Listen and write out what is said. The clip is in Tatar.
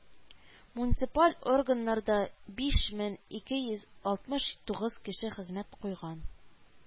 Муниципаль органнарда биш мең ике йөз алтмыш тугыз кеше хезмәт куйган